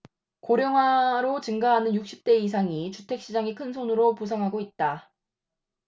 고령화로 증가하는 육십 대 이상이 주택 시장의 큰손으로 부상하고 있다